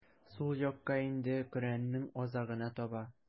Сул якка инде, Коръәннең азагына таба.